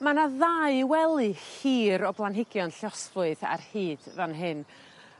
Ma' 'na ddau wely hir o blanhigion lluosflwydd ar hyd fan hyn.